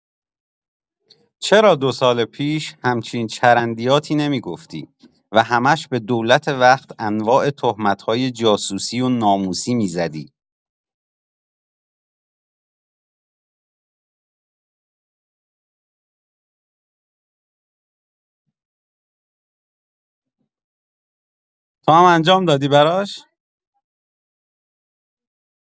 چرا دوسال پیش همچین چرندیاتی نمی‌گفتی و همه‌ش به دولت وقت انواع تهمت‌های جاسوسی و ناموسی می‌زدی؟